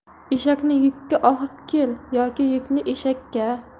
eshakni yukka ohb kel yoki yukni eshakka